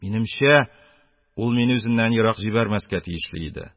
Минемчә, ул мине үзеннән ерак җибәрмәскә тиешле иде.